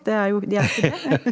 det er jo de er ikke det.